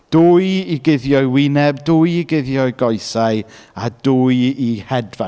Dwy i guddio'i wyneb, dwy i guddio'i goesau, a dwy i hedfan.